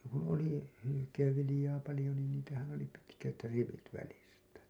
kun oli hylkeenviljaa paljon niin niitähän oli pitkät rivit välistä